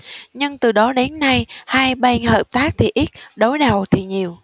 nhưng từ đó đến nay hai bên hợp tác thì ít đối đầu thì nhiều